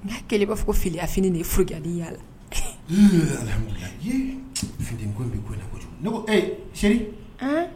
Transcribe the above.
N k'a kɛlen i b'a fɔ filiyafini de n'i ye forokiyani y'a la. Aa bi funtɛni ko in, ne ko e chérie . Han!